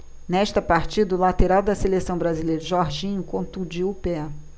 nesta partida o lateral da seleção brasileira jorginho contundiu o pé